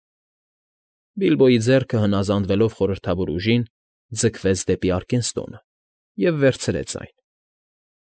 Բիլբոյի ձեռքը, հնազանդվելով խորհրդավոր ուժին, ձգվեց դեպի Արկենստոնը և վերցրեց այն։